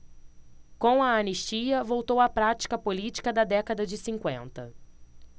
com a anistia voltou a prática política da década de cinquenta